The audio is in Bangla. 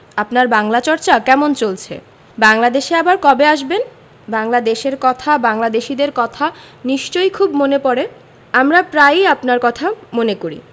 আপনার বাংলা চর্চা কেমন চলছে বাংলাদেশে আবার কবে আসবেন বাংলাদেশের কথা বাংলাদেশীদের কথা নিশ্চয় খুব মনে পরে আমরা প্রায়ই আপনারর কথা মনে করি